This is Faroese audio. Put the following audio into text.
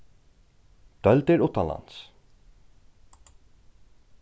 deildir uttanlands